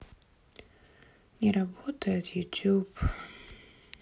не работает youtube